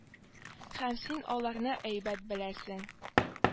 Һәм син аларны әйбәт беләсең